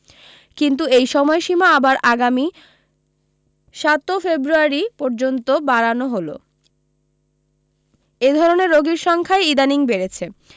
কিন্তু এই সময়সীমা আবার আগামী সাতোও ফেব্রুয়ারি পর্যন্ত বাড়ানো হল এধরনের রোগীর সংখ্যাই ইদানীং বেড়েছে